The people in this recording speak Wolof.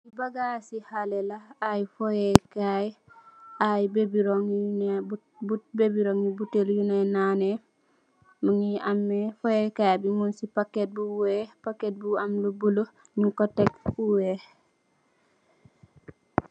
Bagasci halle la aye fowe kaye aye baby rong botel younoye naneh mougui ammeh fowe kaye bi moung ci paket bou weck bou am lou boulou.